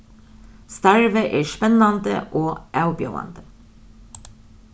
starvið er spennandi og avbjóðandi